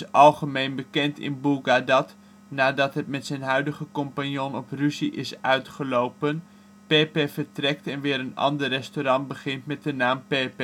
algemeen bekend in Buga dat, nadat het met z 'n huidige compagnon op ruzie is uitgelopen Pepe vertrekt en weer een ander restaurant begint met de naam " Pepe